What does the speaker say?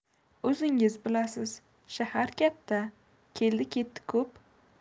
o'zingiz bilasiz shahar katta keldi ketdi ko'p